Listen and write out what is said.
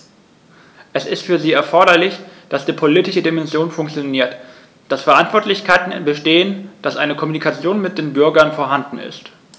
Es ist für sie erforderlich, dass die politische Dimension funktioniert, dass Verantwortlichkeiten bestehen, dass eine Kommunikation mit den Bürgern vorhanden ist.